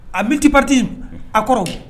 A bitibati a kɔrɔw